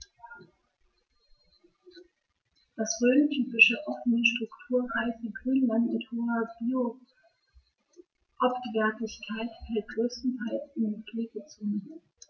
Das rhöntypische offene, strukturreiche Grünland mit hoher Biotopwertigkeit fällt größtenteils in die Pflegezone.